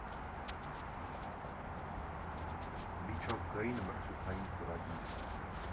Միջազգային մրցույթային ծրագիր։